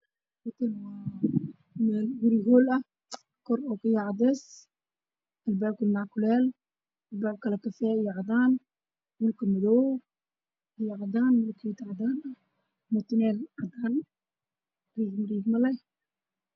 Meeshaan waa meel hool ah kor cadeys albaabka nacnackuleel, albaabka kale kafay iyo cadaan, dhulkana waa madow iyo cadaan, darbiga waa cadaan, mutuleel cadaan ah oo riigriigmo leh.